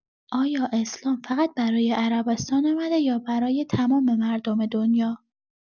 آیا اسلام فقط برای عربستان آمده یا برای تمام مردم دنیا؟